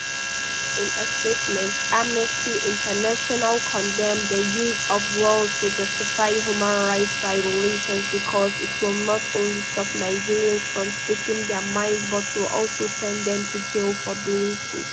In a statement, Amnesty International condemned the use of "laws to justify human rights violations" because it will not only stop Nigerians "from speaking their minds" but will also "send them to jail for doing so".